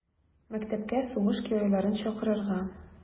Мәктәпкә сугыш геройларын чакырырга.